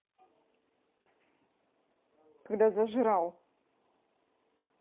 когда зажрал